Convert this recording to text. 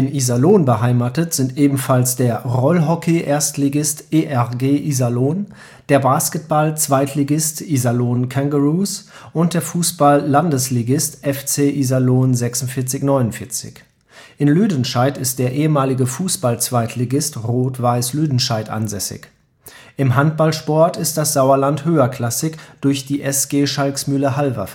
Iserlohn beheimatet sind ebenfalls der Rollhockey-Erstligist ERG Iserlohn, der Basketball-Zweitligist Iserlohn Kangaroos und der Fußball-Landesligist FC Iserlohn 46/49; in Lüdenscheid ist der ehemalige Fußball-Zweitligist Rot-Weiß Lüdenscheid ansässig. Im Handballsport ist das Sauerland höherklassig durch die SG Schalksmühle-Halver